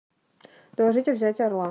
доложить о взятия орла